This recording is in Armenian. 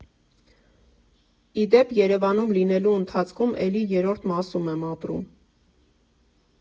Ի դեպ, Երևանում լինելու ընթացքում էլի Երրորդ մասում եմ ապրում։